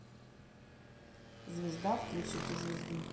звезда включите звезду